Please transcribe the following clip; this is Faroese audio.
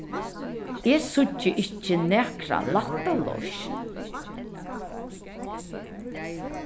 eg síggi ikki nakra lætta loysn